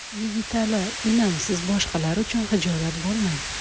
yigitali inim siz boshqalar uchun xijolat bo'lmang